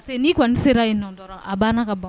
Parce que n'i kɔni sera yen nɔ dɔrɔn a banna ka ban